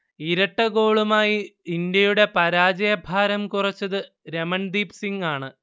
ഇരട്ടഗോളുമായി ഇന്ത്യയുടെ പരാജയഭാരം കുറച്ചത് രമൺദീപ് സിങ്ങാണ്